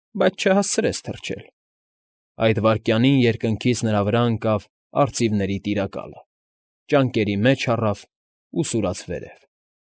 Բայց չհասցրեց թռչել։ Այդ վայրկյանին երկնքից նրա վրա ընկավ արծիվների Տիրակալը, ճանկերի մեջ առավ և սուրաց վերև։